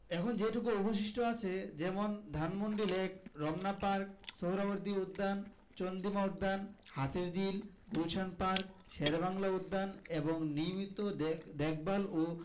এখন যেটুকু অবশিষ্ট আছে যেমন ধানমন্ডি লেক রমনা পার্ক সোহ্রাওয়ার্দী উদ্যান চন্দ্রিমা উদ্যান হাতিরঝিল গুলশান পার্ক শেরেবাংলা উদ্যান এবং নিয়মিত দেখভাল ও